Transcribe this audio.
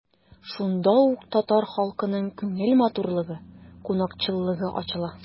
Шунда ук татар халкының күңел матурлыгы, кунакчыллыгы ачыла.